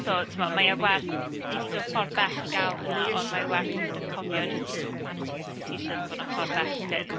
So timod, mae e werth... ni 'di dod ffordd bell i gael hynna, ond mae werth sort of cofio jyst i managing expectations bod 'na ffordd bell i fynd.